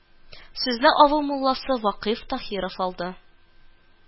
Сүзне авыл мулласы вакыйф таһиров алды